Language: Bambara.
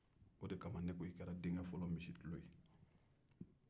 o kama ne ko i kɛra denkɛ fɔlɔ misitulo ye